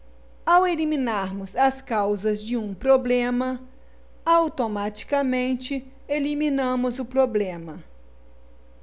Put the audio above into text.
ao eliminarmos as causas de um problema automaticamente eliminamos o problema